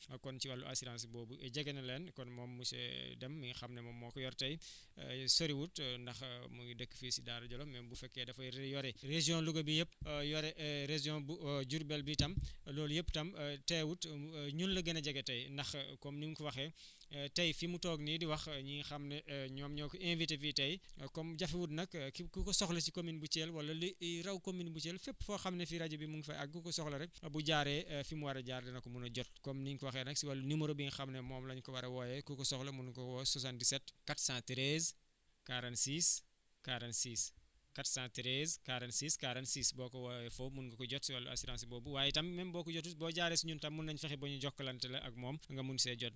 kon ci wàllu assurance boobu jege na leen kon moom monsieur Deme mi nga xam ne moom moo ko yor tey soriwut ndax mu ngi dëkk fii si Daara Djolof même bu fekkee dafa yore région Louga bi yëpp yore région bu Diourbel bi tam loolu yëpp tam tezewut mu ñun la gën a jege tey ndax comme ni mu ko waxee tey fi mu toog nii di wax ñi nga xam ne ñoom ñoo ko inviter fii tey comme jefewut nag ki ku ko soxla ci commune bu Thièl wala li raw commune bu Thièl fépp foo xam ne fii rek rajo bi mu ngi fay àgg ku ko soxla rek bu jaaree fi mu war a jaar dana ko mën a jot comme ni ñu ko waxee nag si wàllu numéro bi nga xam ne moom lañu ko war a wooyee ku ko soxla mun nga ko woo 77 413 46 46 413 46 46 boo ko wooyee foofu mun nga ko jot si wàllu assurance boobu waaye tam mêm boo ko jotut boo jaaree si ñun tam mun nañ fexe ba ñu jokkalante la ak moom nga mun see jot